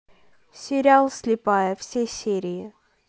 сериал слепая все серии